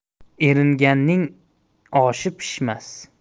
eringanning oshi pishmas